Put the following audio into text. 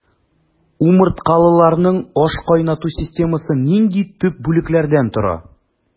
Умырткалыларның ашкайнату системасы нинди төп бүлекләрдән тора?